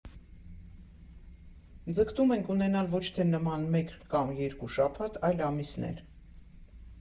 ֊ Ձգտում ենք ունենալ ոչ թե նման մեկ կամ երկու շաբաթ, այլ ամիսներ։